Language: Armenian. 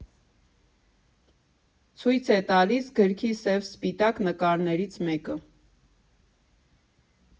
֊ Ցույց է տալիս գրքի սև֊սպիտակ նկարներից մեկ.